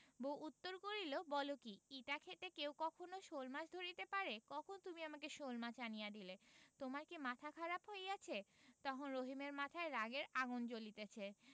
বউ উত্তর করিল বল কি ইটা ক্ষেতে কেহ কখনো শোলমাছ ধরিতে পারে কখন তুমি আমাকে শোলমাছ আনিয়া দিলে তোমার কি মাথা খারাপ হইয়াছে তখন রহিমের মাথায় রাগের আগুন জ্বলিতেছে